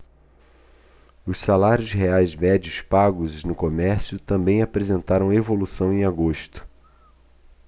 os salários reais médios pagos no comércio também apresentaram evolução em agosto